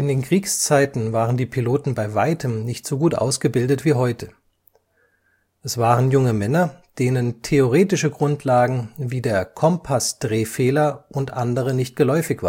In den Kriegszeiten waren die Piloten bei weitem nicht so gut ausgebildet wie heute. Es waren junge Männer, denen theoretische Grundlagen wie der Kompassdrehfehler und andere nicht geläufig